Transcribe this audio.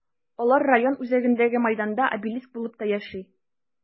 Алар район үзәгендәге мәйданда обелиск булып та яши.